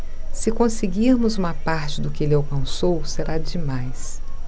se conseguirmos uma parte do que ele alcançou será demais